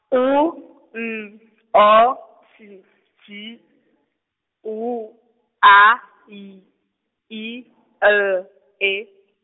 U, N, O, T, J, H, A, Y, I, L, E.